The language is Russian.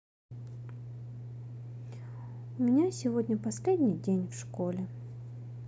у меня сегодня последний день в школе